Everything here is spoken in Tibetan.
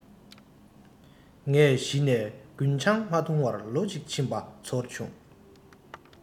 ངས གཞི ནས རྒུན ཆང མ འཐུང བར ལོ གཅིག ཕྱིན པ ཚོར བྱུང